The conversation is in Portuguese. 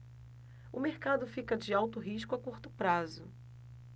o mercado fica de alto risco a curto prazo